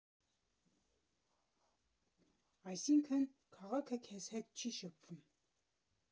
Այսինքն՝ քաղաքը քեզ հետ չի շփվում։